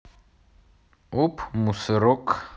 оп мусорок